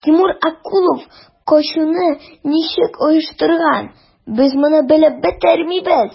Тимур Акулов качуны ничек оештырган, без моны белеп бетермибез.